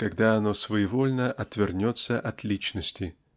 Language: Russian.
когда оно своевольно отвернется от личности.